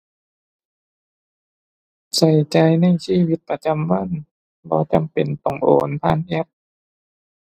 ใช้จ่ายในชีวิตประจำวัน บ่จำเป็นต้องโอนผ่านแอป